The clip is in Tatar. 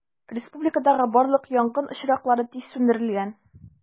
Республикадагы барлык янгын очраклары тиз сүндерелгән.